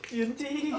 yến chi